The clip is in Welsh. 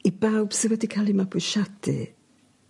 I bawb sy wedi ca'l 'i mabwysiadu